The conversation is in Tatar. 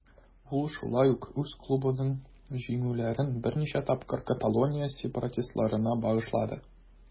Ул шулай ук үз клубының җиңүләрен берничә тапкыр Каталония сепаратистларына багышлады.